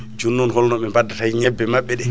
jonnon holnoɓe baddata e ñebbe mabɓe ɗe